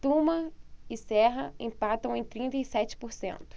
tuma e serra empatam em trinta e sete por cento